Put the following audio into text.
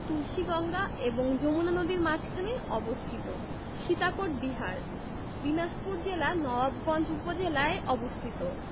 তুলসীগঙ্গা এবং যমুনা নদীর মাঝখানে অবস্থিত সীতাকোট বিহার দিনাজপুর জেলার নওয়াবগঞ্জ উপজেলায় অবস্থিত